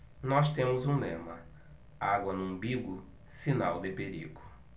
nós temos um lema água no umbigo sinal de perigo